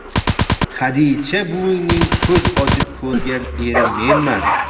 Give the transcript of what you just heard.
hadicha buvingning ko'z ochib ko'rgan eri menman